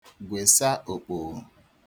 gwèsa òkpòghò